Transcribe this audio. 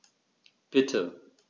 Bitte.